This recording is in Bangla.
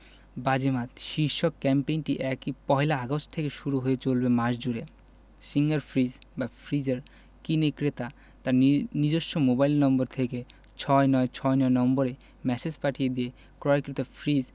বাজিমাত শীর্ষক ক্যাম্পেইনটি একই পহেলা আগস্ট থেকে শুরু হয়ে চলবে মাস জুড়ে সিঙ্গার ফ্রিজ/ফ্রিজার কিনে ক্রেতা তার নিজস্ব মোবাইল নম্বর থেকে ৬৯৬৯ নম্বরে ম্যাসেজ পাঠিয়ে দিয়ে ক্রয়কৃত ফ্রিজ